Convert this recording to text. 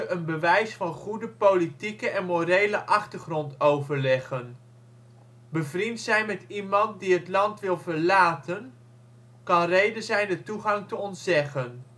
een " bewijs van goede politieke en morele achtergrond " overleggen. " Bevriend zijn met iemand die het land wil verlaten " kan reden zijn de toegang te ontzeggen